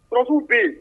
Pfin bɛ yen